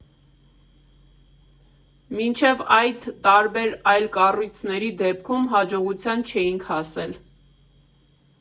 Մինչև այդ տարբեր այլ կառույցների դեպքում հաջողության չէինք հասել։